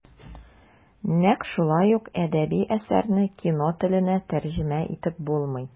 Нәкъ шулай ук әдәби әсәрне кино теленә тәрҗемә итеп булмый.